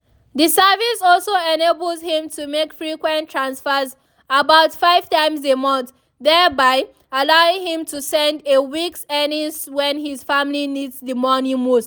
The service also enables him to make frequent transfers – about 5 times a month – thereby allowing him to send a week’s earnings when his family needs the money most.